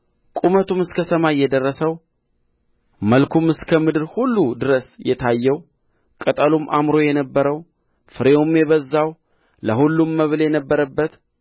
ቁመቱም እስከ ሰማይ የደረሰው መልኩም እስከ ምድር ሁሉ ድረስ የታየው ቅጠሉም አምሮ የነበረው ፍሬውም የበዛው ለሁሉም መብል የነበረበት